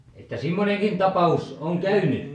että semmoinenkin tapaus on käynyt